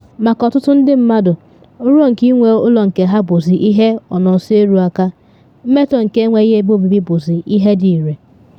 Maka ọtụtụ ndị mmadụ, nrọ nke ịnwe ụlọ nke ha bụzị ihe ọ nọ nso eru aka, mmetọ nke enweghị ebe obibi bụzị ihe dị ire.”